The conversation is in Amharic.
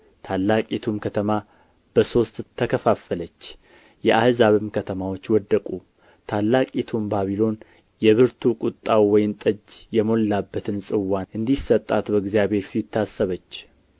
ታላቂቱም ከተማ በሦስት ተከፋፈለች የአሕዛብም ከተማዎች ወደቁ ታላቂቱም ባቢሎን የብርቱ ቍጣው ወይን ጠጅ የሞላበትን ጽዋ እንዲሰጣት በእግዚአብሔር ፊት ታሰበች